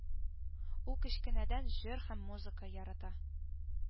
Ул кечкенәдән җыр һәм музыка ярата